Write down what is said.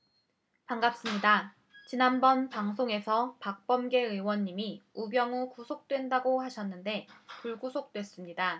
반갑습니다 지난번 방송에서 박범계 의원님이 우병우 구속된다고 하셨는데 불구속됐습니다